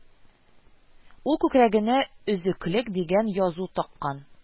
Ул күкрәгенә «Өзеклек» дигән язу таккан